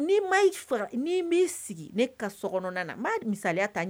Ni sigi so mi